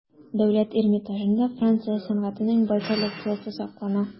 Дәүләт Эрмитажында Франция сәнгатенең бай коллекциясе саклана.